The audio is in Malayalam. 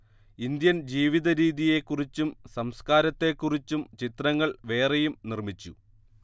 ഇന്ത്യൻ ജീവിതരീതിയെക്കുറിച്ചും സംസ്കാരത്തെക്കുറിച്ചും ചിത്രങ്ങൾ വേറെയും നിർമിച്ചു